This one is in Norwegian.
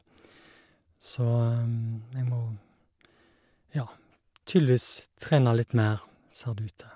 Så jeg må, ja, tydeligvis trene litt mer, ser det ut til.